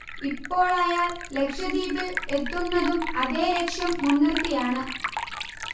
ഇപ്പോൾ അയാൾ ലക്ഷദ്വീപിൽ എത്തുന്നതും അതേ ലക്ഷ്യം മൂൻനിർത്തിയാണ്